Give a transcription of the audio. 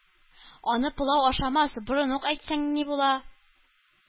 Аны пылау ашамас борын ук әйтсәң ни була!